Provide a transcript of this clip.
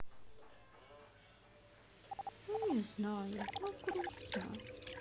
ну не знаю но грустно